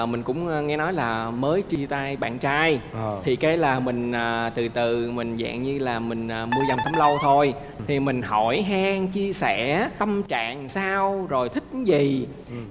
mình cũng nghe nói là mới chia tay bạn trai thì cái là mình à từ từ mình dạng như là mình là mưa dầm thấm lâu thôi thì mình hỏi han chia sẻ tâm trạng sao rồi thích gì